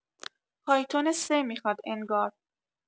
پایتون ۳ میخواد انگار